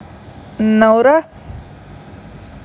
на ура